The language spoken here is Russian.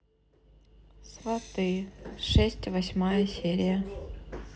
сваты шесть восьмая серия